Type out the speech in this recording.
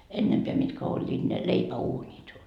ennempää mitkä olivat ne leipäuunit